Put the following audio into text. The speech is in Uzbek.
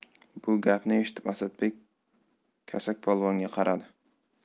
bu gapni eshitib asadbek kesakpolvonga qaradi